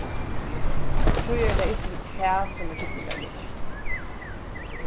tí er tað ikki tað sum er týdningarmikið